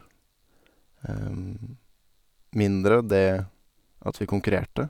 Mindre det at vi konkurrerte.